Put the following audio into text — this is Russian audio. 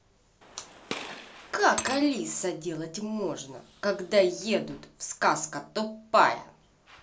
как алиса делать можно когда едут в сказка тупая